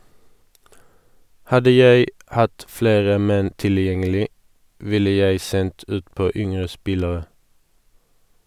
Hadde jeg hatt flere menn tilgjengelig, ville jeg sendt utpå yngre spillere.